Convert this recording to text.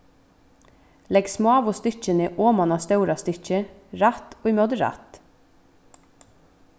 legg smáu stykkini oman á stóra stykkið rætt í móti rætt